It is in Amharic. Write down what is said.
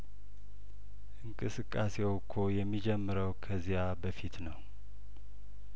እንቅስቃሴው እኮ የሚጀምረው ከዚያበፊት ነው